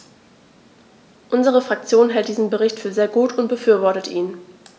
Unsere Fraktion hält diesen Bericht für sehr gut und befürwortet ihn.